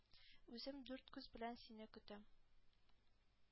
Үзем дүрт күз белән сине көтәм,